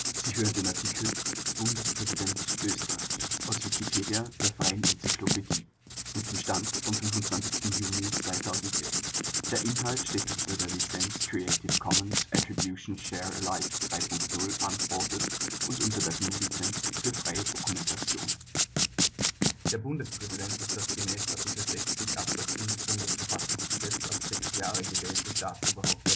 Sie hören den Artikel Bundespräsident (Österreich), aus Wikipedia, der freien Enzyklopädie. Mit dem Stand vom Der Inhalt steht unter der Lizenz Creative Commons Attribution Share Alike 3 Punkt 0 Unported und unter der GNU Lizenz für freie Dokumentation. Der amtierende österreichische Bundespräsident Heinz Fischer Der Bundespräsident ist das gemäß Art. 60 Abs 5 Bundes-Verfassungsgesetz auf sechs Jahre gewählte Staatsoberhaupt